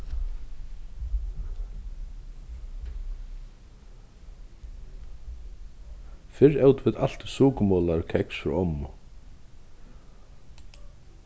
fyrr ótu vit altíð sukurmolar og keks frá ommu